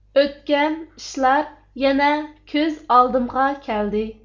ئۆتكەن ئىشلار يەنە كۆز ئالدىمغا كەلدى